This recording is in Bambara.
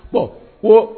Ɔɔ